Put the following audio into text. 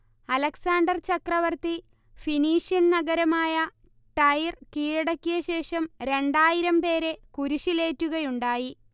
Alexander ചക്രവർത്തി Phoenician നഗരമായ Tyre കീഴടക്കിയശേഷം രണ്ടായിരം പേരെ കുരിശിലേറ്റുകയുണ്ടായി